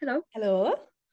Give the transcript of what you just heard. Helo.Helo.